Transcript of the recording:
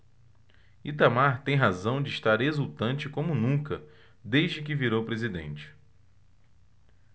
itamar tem razão de estar exultante como nunca desde que virou presidente